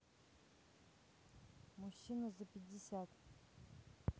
мужчина за пятьдесят